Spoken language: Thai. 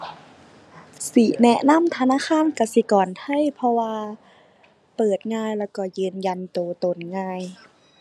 สิแนะนำธนาคารกสิกรไทย เพราะว่าเปิดง่ายแล้วก็ยืนยันก็ตนง่าย